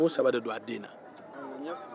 a b'o saba de don a den na